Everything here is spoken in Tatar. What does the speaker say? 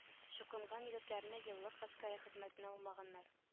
Чукынган егетләрне еллык гаскәрә хезмәтенә алмаганнар